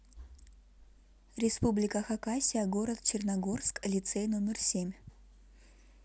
республика хакасия город черногорск лицей номер семь